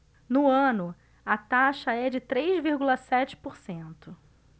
no ano a taxa é de três vírgula sete por cento